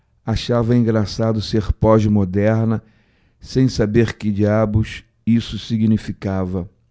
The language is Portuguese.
achava engraçado ser pós-moderna sem saber que diabos isso significava